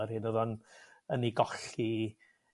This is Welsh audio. yr hyn odd o'n yn 'i golli